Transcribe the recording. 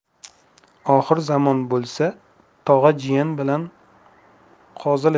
oxir zamon bo'lsa tog'a jiyan bilan qozilashar